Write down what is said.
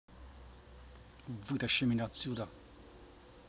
вытащи меня отсюда